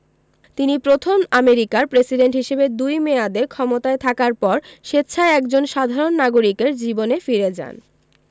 তিনি প্রথম আমেরিকার প্রেসিডেন্ট হিসেবে দুই মেয়াদে ক্ষমতায় থাকার পর স্বেচ্ছায় একজন সাধারণ নাগরিকের জীবনে ফিরে যান